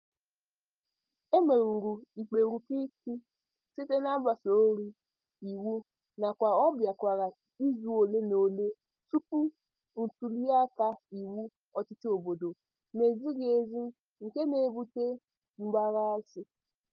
E merụrụ ikpe Rukiki site n'agbasoghị iwu nakwa ọ bịakwara izu ole na ole tupu ntuliaka iwu ọchịchị obodo n'ezighị ezi nke na-ebute mgbaghasị.